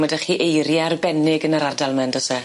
Ma' 'dych chi eirie arbennig yn yr ardal 'ma yn do's e?